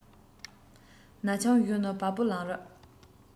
ན ཆུང གཞོན ནུའི བ སྤུ ལངས རབས